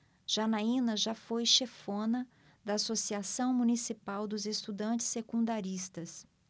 janaina foi chefona da ames associação municipal dos estudantes secundaristas